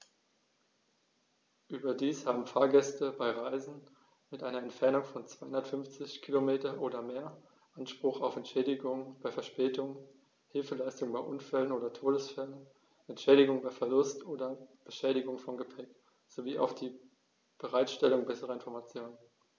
Überdies haben Fahrgäste bei Reisen mit einer Entfernung von 250 km oder mehr Anspruch auf Entschädigung bei Verspätungen, Hilfeleistung bei Unfällen oder Todesfällen, Entschädigung bei Verlust oder Beschädigung von Gepäck, sowie auf die Bereitstellung besserer Informationen.